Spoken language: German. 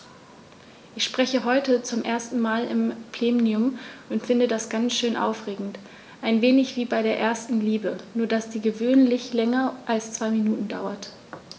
Ich spreche heute zum ersten Mal im Plenum und finde das ganz schön aufregend, ein wenig wie bei der ersten Liebe, nur dass die gewöhnlich länger als zwei Minuten dauert.